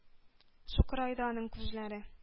Сукырайды аның күзләре.